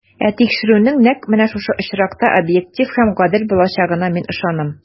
Ә тикшерүнең нәкъ менә шушы очракта объектив һәм гадел булачагына мин ышанам.